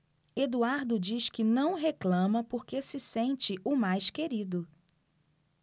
eduardo diz que não reclama porque se sente o mais querido